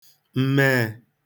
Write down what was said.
mmeē